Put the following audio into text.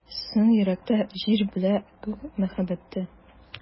Сезнең йөрәктә — Җир белә Күк мәхәббәте.